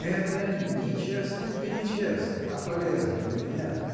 — Это ни честно, ни нечестно, а полезно для меня.